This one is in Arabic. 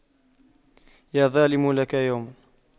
يا ظالم لك يوم